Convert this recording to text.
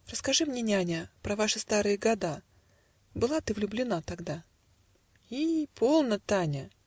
- "Расскажи мне, няня, Про ваши старые года: Была ты влюблена тогда?" - И, полно, Таня!